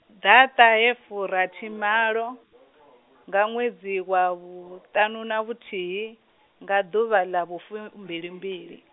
ḓaṱahefurathimalo, nga ṅwedzi wa vhuṱaṋu na vhuthihi, nga ḓuvha ḽa vhu fumbilimbili.